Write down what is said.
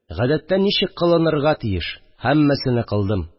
Гадәттә, ничек кылынырга тиеш, һәммәсене кылдым